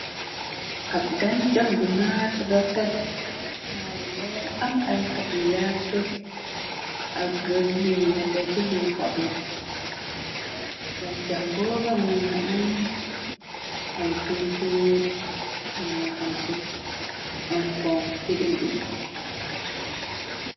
Ab gancax gu naat refet taaru lool am ay xob yu werte ak rëde yu nete ci biir xob ya gancax googa moo nga an ay tuun toor yuñe nyexam suppu am xonku cha diggi ba.